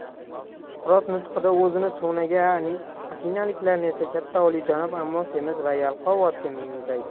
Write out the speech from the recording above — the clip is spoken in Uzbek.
suqrot nutqida o'zini so'naga afinaliklarni esa katta olijanob ammo semiz va yalqov otga mengzaydi